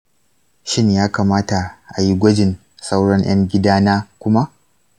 shin ya kamata a yi gwajin sauran ‘yan gidana kuma?